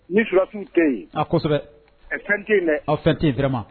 Ni sulafin tɛ yen a kosɛbɛ a fɛn tɛ in bɛ aw fɛn ten d ma